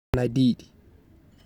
And I did.